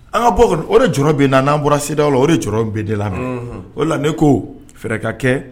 An ka bɔ kɔnɔ o de jɔ bin na n'an bɔra sirada la o de jɔ in bin de la mɛ o la ne ko fɛrɛɛrɛ ka kɛ